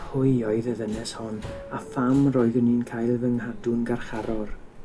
Pwy oedd y ddynes hon a pham roeddwn i'n cael fy nghadw'n garcharor?